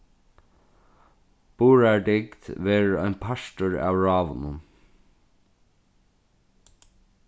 burðardygd verður ein partur av ráðunum